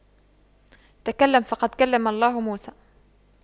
تكلم فقد كلم الله موسى